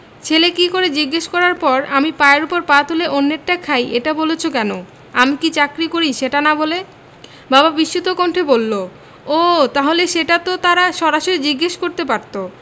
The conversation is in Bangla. ছেলে কী করে জিজ্ঞেস করার পর আমি পায়ের ওপর পা তুলে অন্যেরটা খাই এটা বলেছ কেন আমি কী চাকরি করি সেটা না বলে বাবা বিস্মিত কণ্ঠে বলল ও তাহলে সেটা তো তারা সরাসরি জিজ্ঞেস করতে পারত